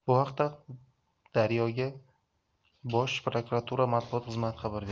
bu haqda daryo ga bosh prokuratura matbuot xizmati xabar berdi